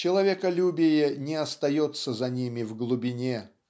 Человеколюбие не остается за ними в глубине